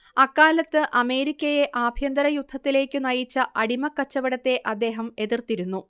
അക്കാലത്ത് അമേരിക്കയെ ആഭ്യന്തരയുദ്ധത്തിലേയ്ക്കു നയിച്ച അടിമക്കച്ചവടത്തെ അദ്ദേഹം എതിർത്തിരുന്നു